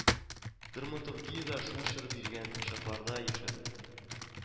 Драматургия дә шул чор биргән шартларда яшәде